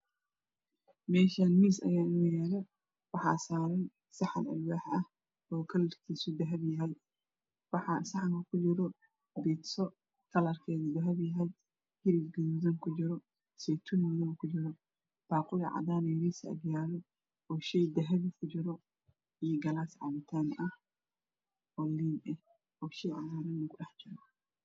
Meshan miis ayaa inoo yaalowaxaa saaran saxan alwaax aha kalarkiisuna dahabiyhy waxaa saxankaan kujiro biibso kalarkeedo dahabi yhy zaytuun ayaa kujiro baa1uli cadan ah ayaa agtaalo oo shey dahabi kujiro iyo galaas cabitaanaha oo shey cadn ah ne kudhexjiro